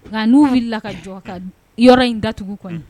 Nka n'u wulila ka jɔ, ka yɔrɔ in datugu kɔni, unhun.